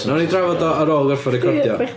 Wnawn ni drafod o ar ôl recordio...